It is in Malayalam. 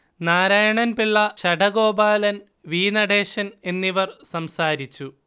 നാരായണൻപിള്ള, ശഢഗോപാലൻ, വി. നടേശൻ എന്നിവർ സംസാരിച്ചു